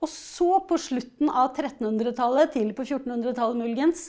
og så på slutten av trettenhundretallet, tidlig på fjortenhundretallet muligens,